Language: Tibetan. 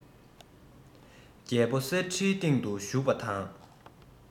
རྒྱལ པོ གསེར ཁྲིའི སྟེང དུ བཞུགས པ དང